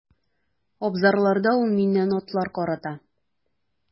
Абзарларда ул миннән атлар карата.